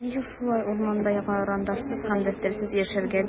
Ничек инде шулай, урманда карандашсыз һәм дәфтәрсез яшәргә, ди?!